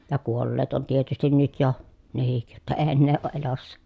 ja kuolleet on tietysti nyt jo nekin jotta ei enää ole elossa